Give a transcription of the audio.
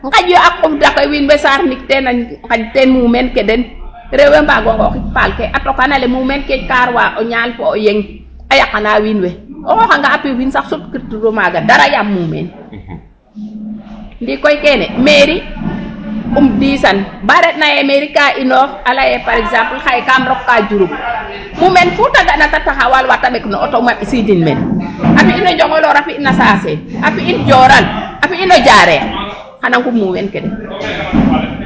Nqaƴyo qufid ake wiin we saarnit teen a nqaƴ teen muumeen ke den rew we mbaag o nqooxik, paal ke a tokaan ale mumeen ke kaarwa o ñaal fo o yeng a yaqanaa wiin we. o xooxanga a piifin sax sutkatiro maaga dara yaam muumeen ndiiki koy kene mairie um diisan ba re'ina ye mairie ke inoox a lay ee par exemple xaye kaam rokaa jurup muumeen fu ta ga'na ta taxawaalwa ta ɓek no auto um a ɓisiidin mene a fi'na Ndiogoloor a fi'in a Saseen, a fi'in Dioral ,a fi'in o Jareex xan a nqum muumeen ke den .